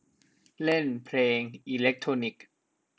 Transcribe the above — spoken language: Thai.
เล่นเพลงอิเลกโทรนิค